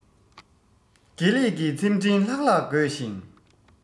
དགེ ལེགས ཀྱི ཚེམས ཕྲེང ལྷག ལྷག དགོད བཞིན